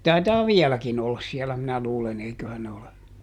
ja taitaa vieläkin olla siellä minä luulen eiköhän ne ole